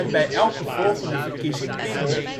bij elke volgende verkiezing minder